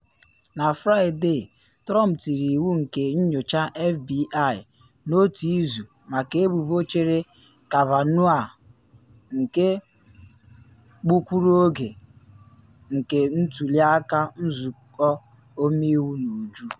Na Fraịde, Trump tiri iwu nke nyocha FBI n’otu-izu maka ebubo chere Kavanaugh, nke gbukwuru oge nke ntuli aka Nzụkọ Ọmeiwu n’uju.